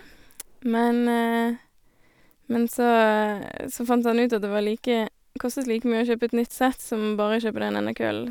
men Men så så fant han ut at det var like kostet like mye å kjøpe et nytt sett som bare å kjøpe den ene køllen.